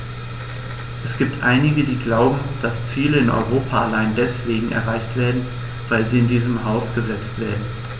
Es gibt einige, die glauben, dass Ziele in Europa allein deswegen erreicht werden, weil sie in diesem Haus gesetzt werden.